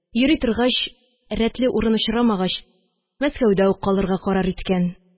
Йөри торгач, рәтле урын очрамагач, мәскәүдә үк калырга карар иткән